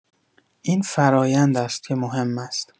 این فرایند است که مهم است.